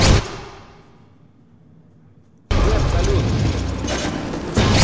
сбер салют